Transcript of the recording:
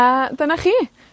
A dyna chi.